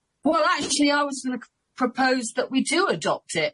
Wel actually I was gonna c- propose that we do adopt it,